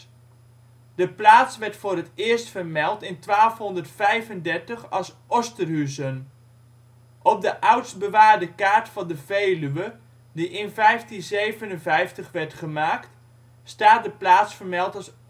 plaats werd voor het eerst vermeld in 1235 als Osterhuzen. Op de oudst bewaarde kaart van de Veluwe, die in 1557 werd gemaakt, staat de plaats vermeld